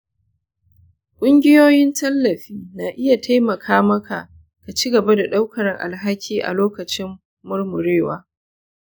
ƙungiyoyin tallafi na iya taimaka maka ka ci gaba da ɗaukar alhaki a lokacin murmurewa.